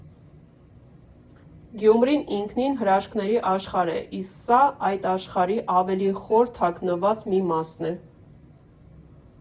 Գյումրին ինքնին հրաշքների աշխարհ է, իսկ սա այդ աշխարհի ավելի խոր թաքնված մի մասն է։